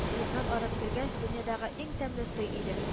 Уеннпн аерып кергәч, дөньядагы иң тәмле сый инде